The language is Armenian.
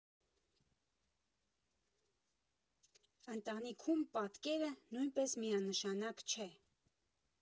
Ընտանիքում պատկերը նույնպես միանշանակ չէ։